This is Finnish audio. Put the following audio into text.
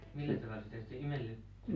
millä tavalla sitä sitten imellytettiin